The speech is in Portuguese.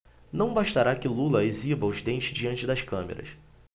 não bastará que lula exiba os dentes diante das câmeras